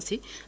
dégg nga